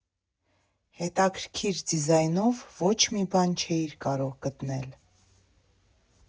Հետաքրքիր դիզայնով ոչ մի բան չէիր կարող գտնել։